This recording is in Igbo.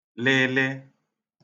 -lịlị